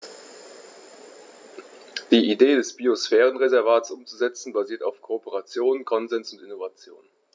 Die Idee des Biosphärenreservates umzusetzen, basiert auf Kooperation, Konsens und Innovation.